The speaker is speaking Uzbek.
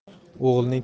o'g'ilning to'yi o'yin